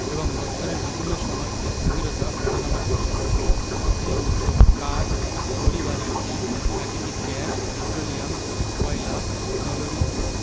এবং বৎসরের বিভিন্ন সময় এর গভীরতা উঠানামা করে শক্তির উৎসঃ কাঠ খড়ি বা লাকড়ি প্রাকৃতিক গ্যাস পেট্রোলিয়াম কয়লা জলবিদ্যুৎ